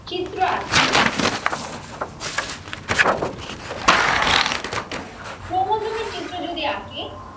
চিত্র আঁকি ক্রোমোজোমের চিত্র যদি আঁকি